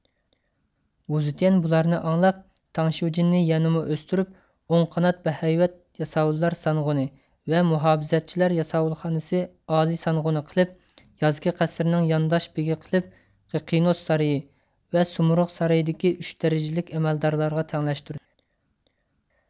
ۋۇزېتيەن بۇلارنى ئاڭلاپ تاڭشيۇجىننى يەنىمۇ ئۆستۈرۈپ ئوڭ قانات بەھەيۋەت ياساۋۇللار سانغۇنى ۋە مۇھاپىزەتچىلەر ياساۋۇلخانىسى ئالىي سانغۇنى قىلىپ يازكى قەسىرنىڭ يانداش بېگى قىلىپ قىقىنوس سارىيى ۋە سۇمرۇغ سارىيىدىكى ئۈچ دەرىجىلىك ئەمەلدارلارغا تەڭلەشتۈردى